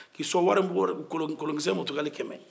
k'i sɔn warimugu-kolon-kolonkisɛ mutukale kɛmɛ